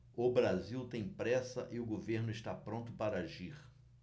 o brasil tem pressa e o governo está pronto para agir